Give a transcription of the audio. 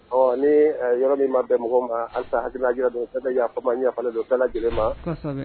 Ɔ ni yɔrɔ min ma bɛn mɔgɔ ma halisa haj don ka'ama don' lajɛlen ma